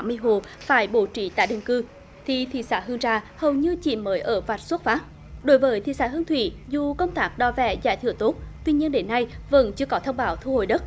mì hộp phải bố trí tái định cư thi thị xã hương trà hầu như chỉ mới ở vạch xuất phát đối với thị xã hương thủy du công tác đo vẽ giải thửa tốt tuy nhiên đến nay vẫn chưa có thông báo thu hồi đất